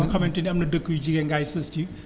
ba nga xamante ni am na dëkk yu jege Ngaye sës ci